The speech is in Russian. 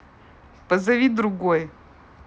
позови другой